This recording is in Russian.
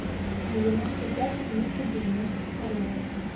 девяносто пятый вместо девяносто второго